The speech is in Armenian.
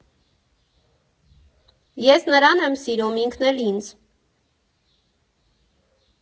Ես նրան եմ սիրում, ինքն էլ՝ ինձ։